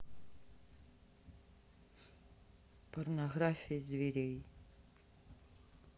порнография зверей